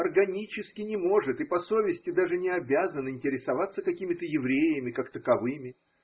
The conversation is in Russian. органически не может и по совести лаже не обязан интересоваться какими-то евреями, как таковыми.